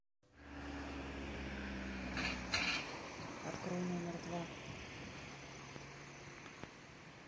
открой номер два